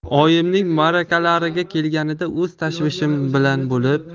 oyimning marakalarida kelganida o'z tashvishim bilan bo'lib